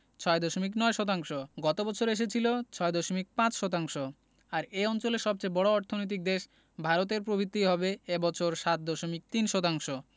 ৬.৯ শতাংশ গত বছর এসেছিল ৬.৫ শতাংশ আর এ অঞ্চলের সবচেয়ে বড় অর্থনৈতিক দেশ ভারতের প্রবৃদ্ধি হবে এ বছর ৭.৩ শতাংশ